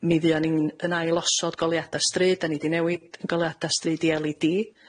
Mi fuon ni'n yn ailosod goleuada' stryd. 'Da ni 'di newid goleuada' stryd i El Ee Dee